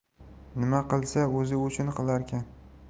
nima qilsa o'zi uchun qilarkan